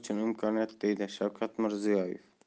uchun imkoniyat dedi shavkat mirziyoyev